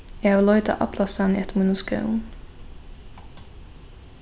eg havi leitað allastaðni eftir mínum skóm